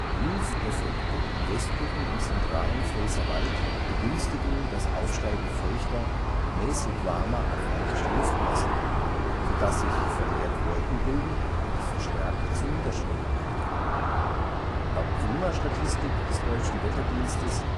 Luveffekte im westlichen und zentralen Pfälzerwald begünstigen das Aufsteigen feuchter, mäßig warmer atlantischer Luftmassen, so dass sich vermehrt Wolken bilden und es verstärkt zu Niederschlägen kommt. Laut Klimastatistik des Deutschen Wetterdienstes